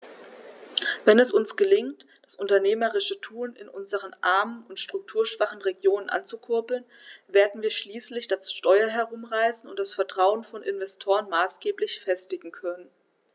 Wenn es uns gelingt, das unternehmerische Tun in unseren armen und strukturschwachen Regionen anzukurbeln, werden wir schließlich das Steuer herumreißen und das Vertrauen von Investoren maßgeblich festigen können.